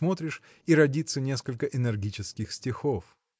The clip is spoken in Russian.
– смотришь – и родится несколько энергических стихов.